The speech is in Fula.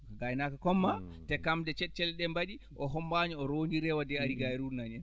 gaynaako comme maa te kam nde ceccelle ɗee mbaɗi o hommbaani o roogi rewde ari gay rumnani en